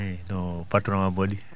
i no patron am waɗi